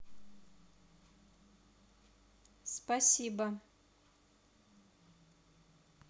спасибо